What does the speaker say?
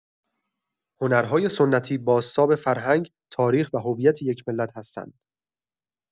هنرهای سنتی، بازتاب فرهنگ، تاریخ و هویت یک ملت هستند.